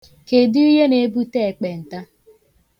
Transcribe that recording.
Kedụ ihe na-ebute ekpenta?